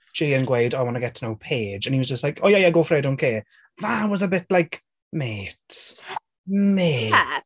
Jay yn gweud, "I want to get to know Paige." And he was just like, "Oh yeah, yeah, go for it, I don't care." That was a bit, like mate. Mate!... Yeah!